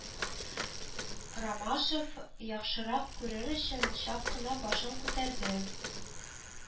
Ромашов, яхшырак күрер өчен, чак кына башын күтәрде